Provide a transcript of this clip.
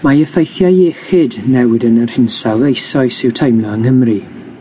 Mae effeithiau iechyd newid yn yr hinsawdd eisoes i'w teimlo yng Nghymru.